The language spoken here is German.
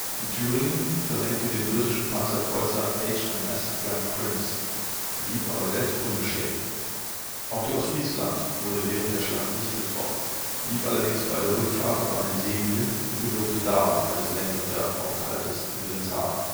Thüringen versenkte den britischen Panzerkreuzer HMS Black Prince, blieb aber selbst unbeschädigt. Auch die Ostfriesland wurde während der Schlacht nicht getroffen, lief allerdings bei der Rückfahrt auf eine Seemine und bedurfte darum eines längeren Werftaufenthaltes in Wilhelmshaven